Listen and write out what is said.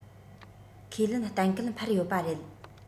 ཁས ལེན གཏན འཁེལ འཕར ཡོད པ རེད